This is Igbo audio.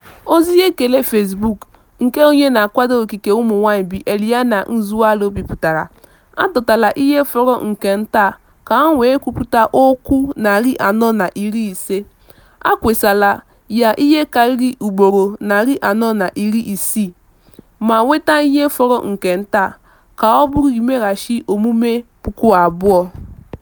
Ozi ekele Facebook nke onye na-akwado ikike ụmụnwaanyị bụ Eliana Nzualo bipụtara, a dọtala ihe fọrọ nke nta ka o nwe nkwupụta okwu 450, e kesaala ya ihe karịrị ugboro 460, ma nweta ihe fọrọ nke nta ka ọ bụrụ mmeghachi omume 2,000: